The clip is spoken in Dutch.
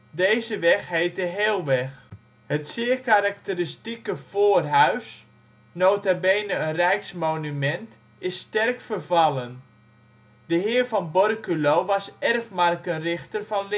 Deze weg heet de Heelweg. Het zeer karakteristieke voorhuis - nota bene een rijksmonument - is sterk vervallen. De heer van Borculo was erfmarkenrichter van